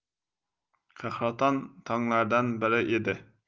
qahraton tonglardan biri edi